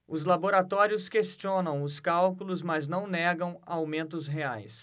os laboratórios questionam os cálculos mas não negam aumentos reais